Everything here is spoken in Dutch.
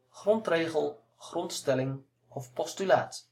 grondregel grondstelling postulaat